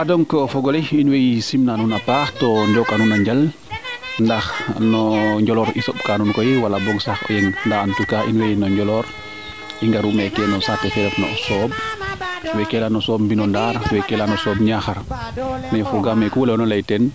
donc o fogole in way sinmna nuun a paax to njoka nuun a njal ndax no njoloor i soɓ kaa nuun koy wala boog sax daa en tout cas in way no njolor i ngar u meeke no saate fe refna o sooɓ weeke leyan o sooɓ mbino ndaar weeke leya o sooɓ Niakhar fagaame kuleyoona ley teen